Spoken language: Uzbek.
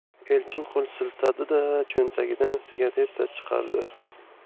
elchin qo'l siltadi da cho'ntagidan sigareta chiqardi